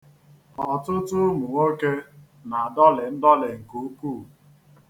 Ọtụtụ ụmụnwoke na-adọlị ndọlị nke ukwu